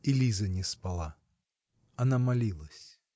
И Лиза не спала: она молилась.